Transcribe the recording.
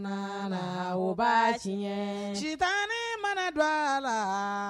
Mana, o b'a tiŋɛn. sitaan i mana nan don a la.